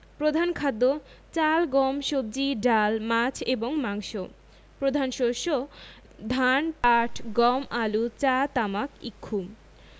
প্রধান খাদ্যঃ চাল গম সবজি ডাল মাছ এবং মাংস প্রধান শস্যঃ ধান পাট গম আলু চা তামাক ইক্ষু